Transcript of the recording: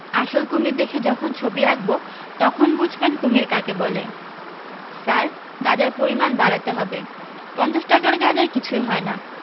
আসল কমীর দেখে যখন ছবি আঁকব তখন বুঝবেন কুমীর কাকে বলে স্যার গাঁজার পরিমাণ বাড়াতে হবে পঞ্চাশ টাকার গাজায় কিছুই হয় না